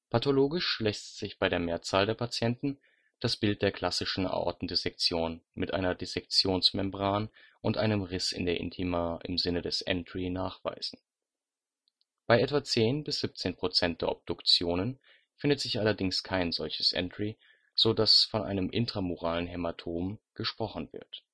Pathologisch lässt sich bei der Mehrzahl der Patienten das Bild der klassischen Aortendissektion mit einer Dissektionsmembran und einem Riss in der Intima im Sinne des entry nachweisen. Bei etwa 10 – 17 % der Obduktionen findet sich allerdings kein solches entry, so dass von einem intramuralen Hämatom (Bluterguss in der Gefäßwand) gesprochen wird